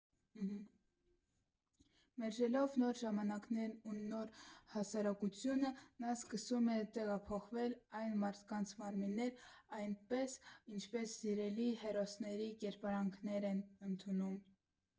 Մերժելով նոր ժամանակներն ու նոր հասարակությունը, նա սկսում է տեղափոխվել այլ մարդկանց մարմիններ, այնպես, ինչպես սիրելի հերոսների կերպարանքն էր ընդունում։